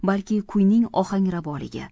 balki kuyning ohangraboligi